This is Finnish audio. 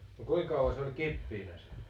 no kuinka kauan se oli kipeänä se